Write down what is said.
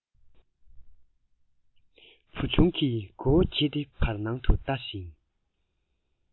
བུ ཆུང གིས མགོ བོ དགྱེ སྟེ བར སྣང དུ ལྟ ཞིང